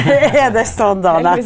er det sånn då nei.